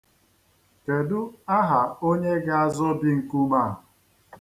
Kedu aha onye ga-azobi nkume a?